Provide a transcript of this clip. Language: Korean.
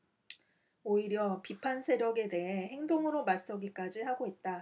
오히려 비판세력에 대해 행동으로 맞서기까지 하고 있다